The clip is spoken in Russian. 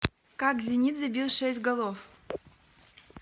как зенит забил шесть голов